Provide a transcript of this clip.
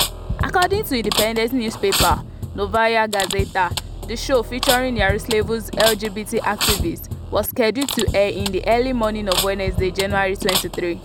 According to independent newspaper Novaya Gazeta, the show featuring Yaroslavl’s LGBT activists was scheduled to air in the early morning of Wednesday, January 23.